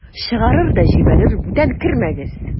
Чыгарыр да җибәрер: "Бүтән кермәгез!"